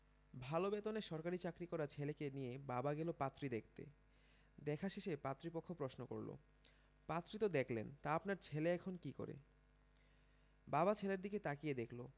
ভালো বেতনে সরকারি চাকরি করা ছেলেকে নিয়ে বাবা গেল পাত্রী দেখতে দেখা শেষে পাত্রীপক্ষ প্রশ্ন করল পাত্রী তো দেখলেন তা আপনার ছেলে এখন কী করে বাবা ছেলের দিকে তাকিয়ে দেখল